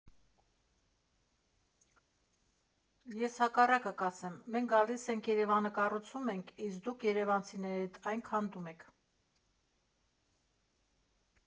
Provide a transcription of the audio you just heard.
Ես հակառակը կասեմ՝ «մենք գալիս ենք, Երևանը կառուցում ենք, իսկ դուք՝ երևանցիներդ, այն քանդում եք»։